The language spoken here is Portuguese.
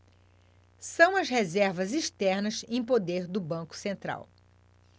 são as reservas externas em poder do banco central